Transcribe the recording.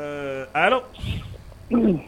Ɛɛ a yɛrɛ ko